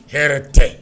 Hɛrɛ tɛ ye